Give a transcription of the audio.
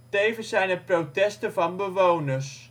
Tevens zijn er protesten van bewoners